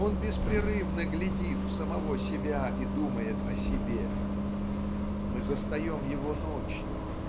Он беспрерывно глядит в самого себя и думает о себе. Мы застаем его ночью